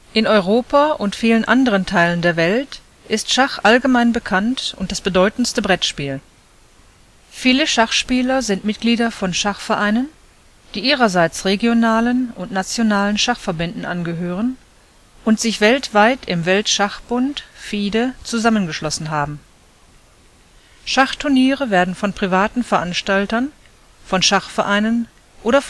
In Europa und vielen anderen Teilen der Welt ist Schach allgemein bekannt und das bedeutendste Brettspiel. Viele Schachspieler sind Mitglieder von Schachvereinen, die ihrerseits regionalen und nationalen Schachverbänden angehören und sich weltweit im Weltschachbund (FIDE) zusammengeschlossen haben. Schachturniere werden von privaten Veranstaltern, von Schachvereinen oder